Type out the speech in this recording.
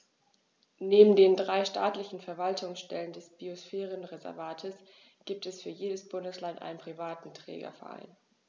Neben den drei staatlichen Verwaltungsstellen des Biosphärenreservates gibt es für jedes Bundesland einen privaten Trägerverein.